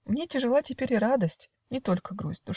Мне тяжела теперь и радость, Не только грусть.